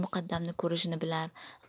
muqaddam ni ko'rishini bilar